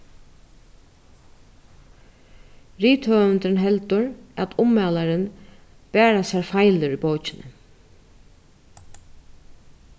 rithøvundurin heldur at ummælarin bara sær feilir í bókini